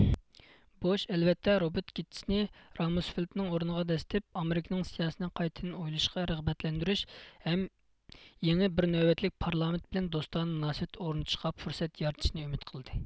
بوش ئەلۋەتتە روبېرت گېتسىنى راموسفېلدنىڭ ئورنىغا دەسسىتىپ ئامېرىكىنىڭ سىياسىتىنى قايتىدىن ئويلىشىشقا رىغبەتلەندۈرۈش ھەم يېڭى بىر نۆۋەتلىك پارلامېنت بىلەن دوستانە مۇناسىۋەت ئورنىتىشقا پۇرسەت يارىتىشنى ئۈمىد قىلدى